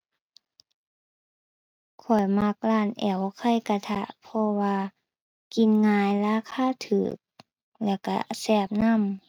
ข้อยมักร้านแอ๋วไข่กระทะ เพราะว่ากินง่าย ราคาถูก แล้วถูกแซ่บนำ